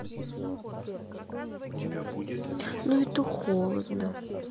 ну это холодно